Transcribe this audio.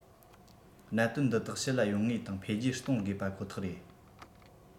གནད དོན འདི དག ཕྱི ལ ཡོང ངེས དང འཕེལ རྒྱས གཏོང དགོས པ ཁོ ཐག རེད